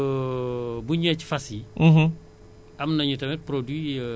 ñooñu tamit wax dëgg Yàlla am na si ferme yu nekk Louga ñoom seen boroom ñu ngi assurer